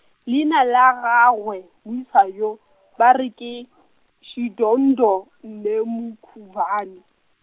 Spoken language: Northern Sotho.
leina la gagwe, moisa yo , ba re ke , Shidondho , Nemukovhani.